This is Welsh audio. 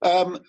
Yym